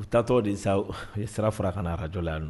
U taa tɔgɔ de sa sara fɔra ka arajɔ la yan